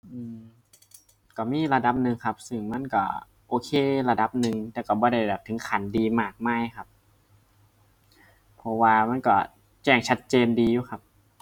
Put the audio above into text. อืม ก็มีระดับหนึ่งครับ ซึ่งมันก็โอเคระดับหนึ่ง แต่ก็บ่ได้แบบ ถึงขั้นดีมากมายครับ เพราะว่ามันก็แจ้งชัดเจนดีอยู่ครับ